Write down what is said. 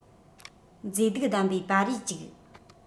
མཛེས སྡུག ལྡན པའི པར རིས ཅིག